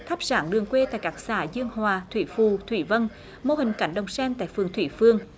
thắp sáng đường quê tại các xã dương hòa thủy phù thủy vân mô hình cánh đồng sen tại phường thủy phương